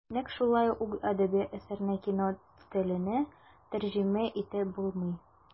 Нәкъ шулай ук әдәби әсәрне кино теленә тәрҗемә итеп булмый.